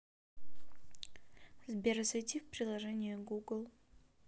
сбер зайди в приложение google